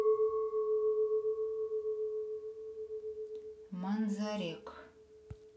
манзарек